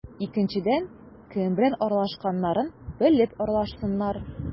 Икенчедән, кем белән аралашканнарын белеп аралашсыннар.